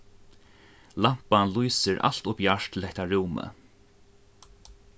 lampan lýsir alt ov bjart til hetta rúmið